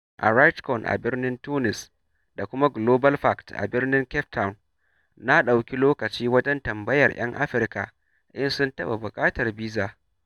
A RightsCon a birnin Tunis da kuma GlobalFact a birnin Cape Town, na ɗauki lokaci wajen tambayar 'yan Afirka in sun taɓa buƙatar biza.